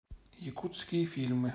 якутские фильмы